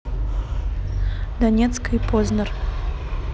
донецкая и познер